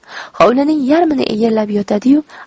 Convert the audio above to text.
hovlining yarmini egallab yotadi yu